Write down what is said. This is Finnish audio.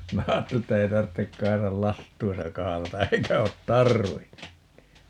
minä ajattelin että ei tarvitse Kaisan lastuissa kahlata eikä ole tarvinnut -